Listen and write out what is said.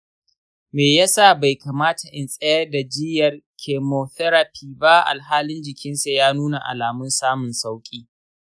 me yasa bai kamata in tsayar da jiyyar chemotherapy ba alhali jikinsa ya nuna alamun samun sauƙi?